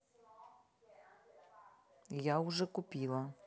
я уже купила